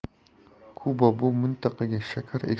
kuba bu mintaqaga